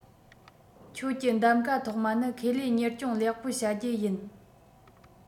ཁྱོད ཀྱི གདམ ག ཐོག མ ནི ཁེ ལས གཉེར སྐྱོང ལེགས པོ བྱ རྒྱུ ཡིན